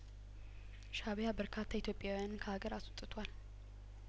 ሻእቢያ በርካታ ኢትዮጵያውያንን ከሀገሩ አስወጥቷል